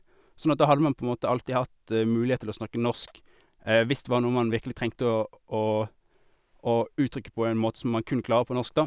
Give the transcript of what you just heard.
Sånn at da hadde man på en måte alltid hatt mulighet til å snakke norsk hvis det var noe man virkelig trengte å å å uttrykke på en måte som man kun klarer på norsk, da.